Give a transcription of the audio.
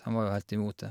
Han var jo helt imot det.